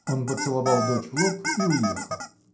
Он поцеловал дочь в лоб и уехал.